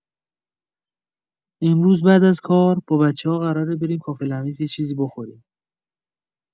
امروز بعد از کار با بچه‌ها قراره بریم کافه لمیز یه چیزی بخوریم.